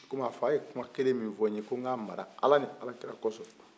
kɔmi a fa ye kuma kelen min ko n k'a mara ala ni alakira kɔsɔn